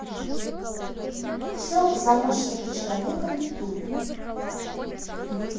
все о позвоночнике человека в ютубе